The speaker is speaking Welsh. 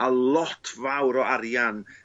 â lot fawr o arian